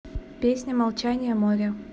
песня молчание моря